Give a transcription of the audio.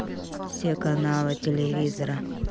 все каналы телевизора